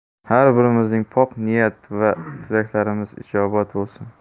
har birimizning pok niyat va tilaklarimiz ijobat bo'lsin